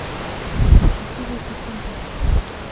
хочу войти в контакт